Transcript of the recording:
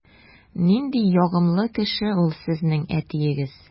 Нинди ягымлы кеше ул сезнең әтиегез!